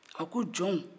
a ko jɔnw